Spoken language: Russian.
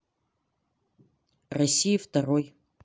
россия второй